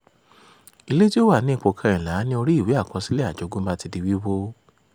Ilé tí ó wà ní ipò.14 ní orí ìwé àkọsílẹ̀ àjogúnbá ti di wíwó.